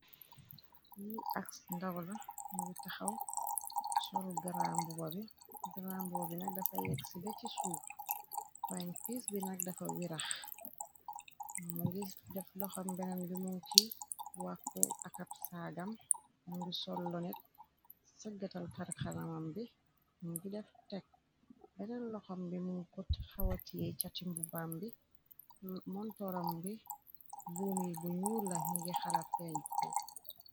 Lii ak ndawla mi ngi taxaw, solu graambuba bi, grambuba bi neg dafa yeg si be ci suuf, way pis bi neg dafa wirax, mingi dëf loxam benen bi mun ci wàkku ak ab saagam, mingi sol lonet sëggatal xar-xaramam bi, mingi daf teg, beneen loxam bi mun kot xawa tyey càcti mbubam bi, montoram bi buum yi bu ñuul la ni gi xala feeñ.